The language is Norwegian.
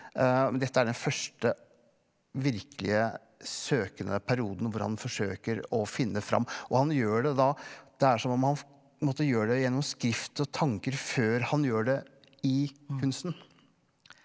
men dette er den første virkelige søkende perioden hvor han forsøker å finne fram og han gjør det da det er som om han på en måte gjør det gjennom skrift og tanker før han gjør det i kunsten.